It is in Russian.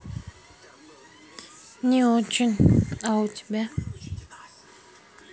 не очень а у тебя